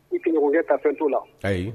I tiɲɔgɔnkɛ ka fɛn t'o la ayi